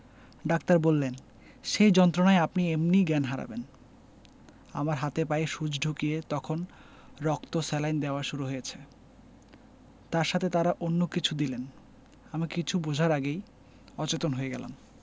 doctor বললেন সেই যন্ত্রণায় আপনি এমনি জ্ঞান হারাবেন আমার হাতে পায়ে সুচ ঢুকিয়ে তখন রক্ত স্যালাইন দেওয়া শুরু হয়েছে তার সাথে তারা অন্য কিছু দিলেন আমি কিছু বোঝার আগে অচেতন হয়ে গেলাম